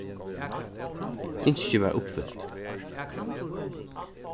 ynskið varð uppfylt